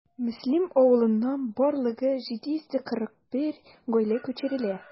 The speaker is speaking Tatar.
Мөслим авылыннан барлыгы 741 гаилә күчерелә.